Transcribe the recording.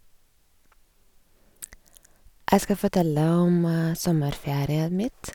Jeg skal fortelle om sommerferien mitt.